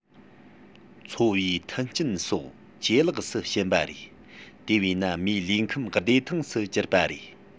འཚོ བའི མཐུན རྐྱེན སོགས ཇེ ལེགས སུ ཕྱིན པ རེད དེ བས ན མིའི ལུས ཁམས བདེ ཐང དུ གྱུར པ རེད